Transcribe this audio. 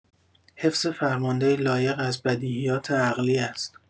حفظ فرمانده لایق از بدیهیات عقلی است.